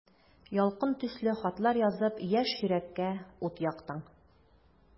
Ялкын төсле хатлар язып, яшь йөрәккә ут яктың.